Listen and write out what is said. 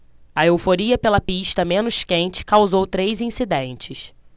a euforia pela pista menos quente causou três incidentes